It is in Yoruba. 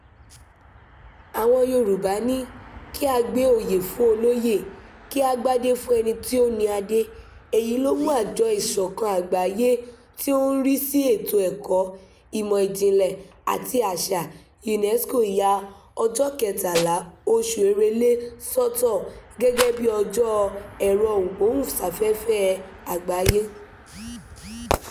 Àwọn Yorùbá ní, kí a gbé oyè fún olóyè, kí á gbádé fún ẹni tí ó ni adé", èyí ló mú Àjọ Ìṣọ̀kan Àgbáyé tí ó ń rí sí Ètò Ẹ̀kọ́, Ìmọ̀ Ìjìnlẹ̀ àti Àṣà (UNESCO) ya ọjọ́ 13 oṣù Èrèlé sọ́tọ̀ gẹ́gẹ́ bíi Ọjọ́ Ẹ̀rọ-ìgbóhùnsáfẹ́fẹ́ Àgbáyé.